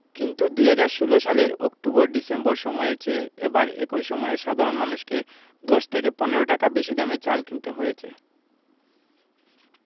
কিন্তু ২০১৬ সালের October December সময়ের চেয়ে এবার একই সময়ে সাধারণ মানুষকে ১০ থেকে ১৫ টাকা বেশি দামে চাল কিনতে হয়েছে